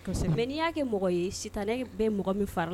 N'i y'a kɛ mɔgɔ ye sita ne bɛ mɔgɔ min fara la